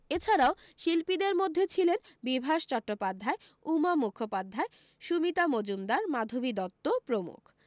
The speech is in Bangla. এ ছাড়াও শিল্পীদের মধ্যে ছিলেন বিভাস চট্টোপাধ্যায় উমা মুখোপাধ্যায় সুমিতা মজুমদার মাধবী দত্ত প্রমুখ